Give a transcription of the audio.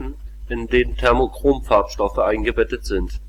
Thermochromfarbstoffe eingebettet sind